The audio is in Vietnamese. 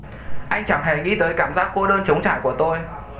anh chẳng hề nghĩ tới cảm giác cô đơn trống trải của tôi